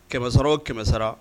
Kɛmɛsɔrɔ o kɛmɛsa